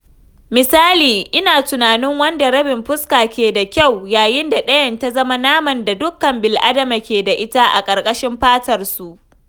Misali, ina tunanin wanda rabin fuska ke da kyau, yayin da ɗayan ta zama naman da dukan bil’adama ke da ita a ƙarƙashin fatarsu.